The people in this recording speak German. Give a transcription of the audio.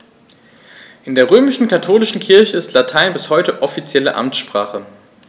In der römisch-katholischen Kirche ist Latein bis heute offizielle Amtssprache.